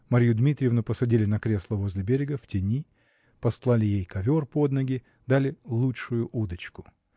Марью Дмитриевну посадили на кресло возле берега, в тени, постлали ей ковер под ноги, дали лучшую удочку